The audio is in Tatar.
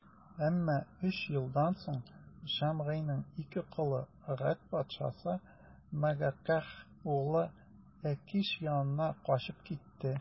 Әмма өч елдан соң Шимгыйның ике колы Гәт патшасы, Мәгакәһ углы Әкиш янына качып китте.